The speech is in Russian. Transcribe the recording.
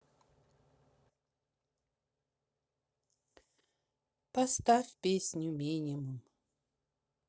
поставь песню минимум